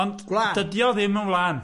Ond... Gwlan. ...dydi o ddim yn wlan.